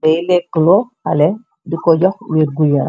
tey lekk loo xale di ko jox wiir gu yaar.